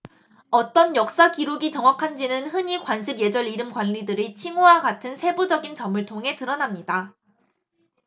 어떤 역사 기록이 정확한지는 흔히 관습 예절 이름 관리들의 칭호와 같은 세부적인 점을 통해 드러납니다